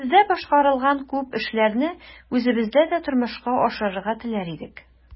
Сездә башкарылган күп эшләрне үзебездә дә тормышка ашырырга теләр идек.